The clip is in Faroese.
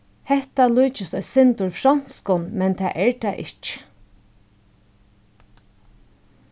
hetta líkist eitt sindur fronskum men tað er tað ikki